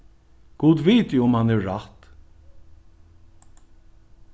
gud viti um hann hevur rætt